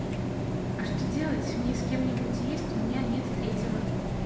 а что делать мне с кем нибудь есть у меня нет третьего